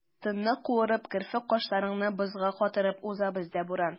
Тынны куырып, керфек-кашларыңны бозга катырып уза бездә буран.